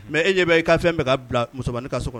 Mɛ e ɲɛ bɛ i k'a fɛn ka bila musomanmaniin ka so kɔnɔ